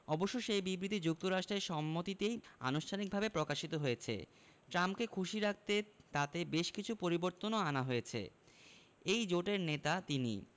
অবশ্য সে বিবৃতি যুক্তরাষ্ট্রের সম্মতিতেই আনুষ্ঠানিকভাবে প্রকাশিত হয়েছে ট্রাম্পকে খুশি রাখতে তাতে বেশ কিছু পরিবর্তনও আনা হয়েছে এই জোটের নেতা তিনি